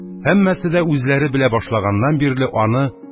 Һәммәсе дә, үзләре белә башлаганнан бирле, аны